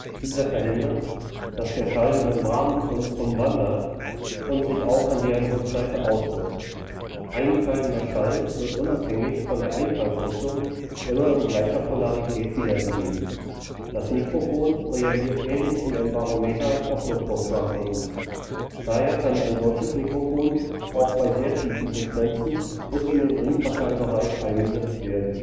Dieser verhindert, dass der Schall die Membran umwandert und sich auch an deren Rückseite auswirkt. Einfallender Schall wird unabhängig von der Einfallsrichtung immer in gleicher Polarität wiedergegeben. Das Druckmikrofon reagiert ähnlich wie ein Barometer auf Luftdruckschwankungen. Daher kann ein solches Mikrofon auch bei sehr tiefen Frequenzen bis in den Infraschallbereich eingesetzt werden